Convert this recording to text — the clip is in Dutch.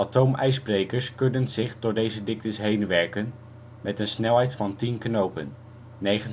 Atoomijsbrekers kunnen zich door deze diktes heen werken met een snelheid van 10 knopen (19